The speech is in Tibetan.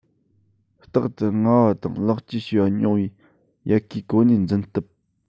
རྟག ཏུ སྔ བ དང ལེགས བཅོས བྱས པ ཉུང བའི ཡལ གའི གོ གནས འཛིན སྟབས